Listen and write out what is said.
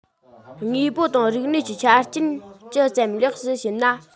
དངོས པོ དང རིག གནས ཀྱི ཆ རྐྱེན ཇི ཙམ ལེགས སུ ཕྱིན ན